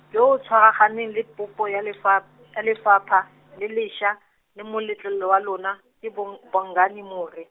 yo o tshwaraganeng le popo ya lefap- , ya lefapha, le lesa, le mmotlele lo wa lona, e bong Bongani More.